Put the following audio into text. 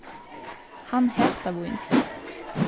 hann hatar vín